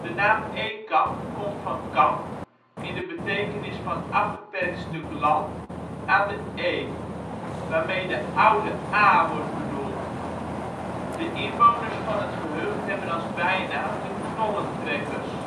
naam Ekamp komt van kamp (in de betekenis van afgeperkt stuk land) aan de Ee, waarmee de Oude Ae wordt bedoeld. De inwoners van het gehucht hebben als bijnaam de Knollentrekkers